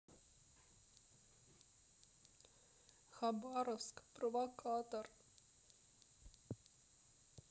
хабаровск провокатор